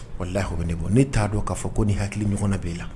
Wala lako ne bɔ ne t'a dɔn don k'a fɔ ko n ni hakili ɲɔgɔn na b'i la